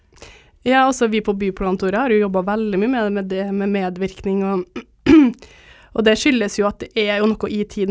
ja altså vi på byplantoret har jo jobba veldig mye med det med det med medvirkning og og det skyldes jo at det er jo noe i tiden.